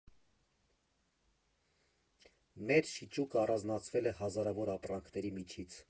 Մեր շիճուկը առանձնացվել է հազարավոր ապրանքների միջից։